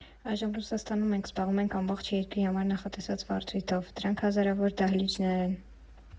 Այժմ Ռուսաստանում մենք զբաղվում ենք ամբողջ երկրի համար նախատեսված վարձույթով, դրանք հազարավոր դահլիճներ են։